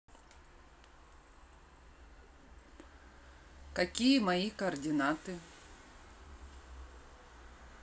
какие мои координаты